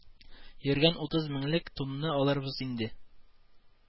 Йөргән утыз меңлек тунны алырбыз инде